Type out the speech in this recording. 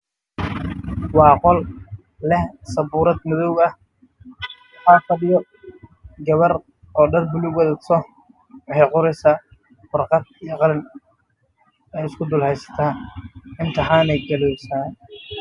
Waa gabar wax baraneyso